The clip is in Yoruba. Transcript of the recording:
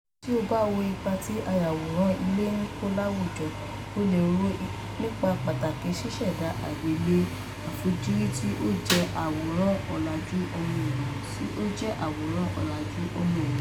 Tí o bá ro ipa tí ayàwòrán-ilé ń kó láwùjọ, o le rò nípa pàtàkì ṣíṣẹ̀dá agbègbè àfojúrí tí ó jẹ́ àwòrán ọ̀làjú ọmọnìyàn.